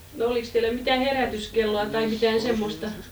no olikos teillä mitään herätyskelloa tai mitään semmoista